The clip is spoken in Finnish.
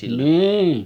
niin